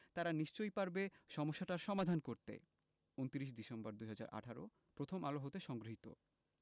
তারা নিশ্চয়ই পারবে সমস্যাটার সমাধান করতে ২৯ ডিসেম্বর ২০১৮ প্রথম আলো হতে সংগৃহীত